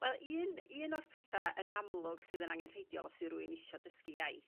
Wel un un o'r petha' yn amlwg sydd yn angenrheidiol os 'di r'wun isio dysgu iaith